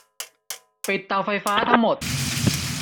ปิดเตาไฟฟ้าทั้งหมด